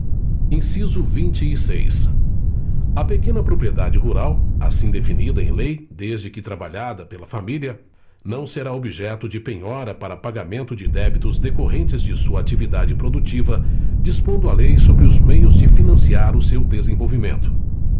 inciso vinte e seis a pequena propriedade rural assim definida em lei desde que trabalhada pela família não será objeto de penhora para pagamento de débitos decorrentes de sua atividade produtiva dispondo a lei sobre os meios de financiar o seu desenvolvimento